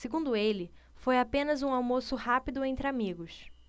segundo ele foi apenas um almoço rápido entre amigos